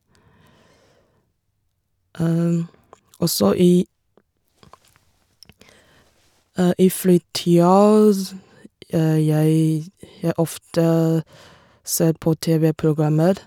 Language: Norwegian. Og så i i fritida je jeg jeg ofte ser på TV-programmer.